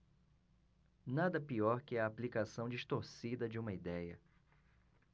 nada pior que a aplicação distorcida de uma idéia